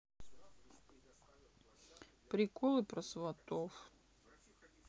приколы из сватов